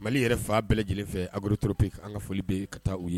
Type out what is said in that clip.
Mali yɛrɛ fan bɛɛ lajɛlen fɛ Agrotropique an ka foli bee ka taa u ye